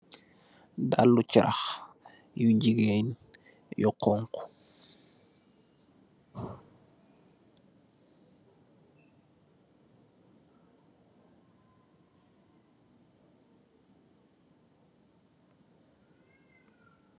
Dallu caraax yu jiggeen, yu xonxu